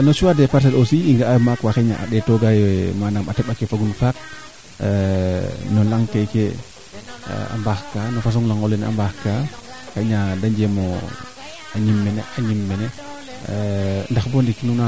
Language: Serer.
kaa fadiida fulee mene ndaa tiya warna moytu welo manaam seend nene bata may nene o dox manaam mbuus ne yiin fo ku te waag na waago ref o dox no qol a ndaame xana moso fadiiid refa fule xam xam faa fadiid na mene koy ndaa xana moso